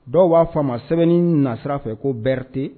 Dɔw b'a fɔ fa sɛbɛnni nasira fɛ ko berete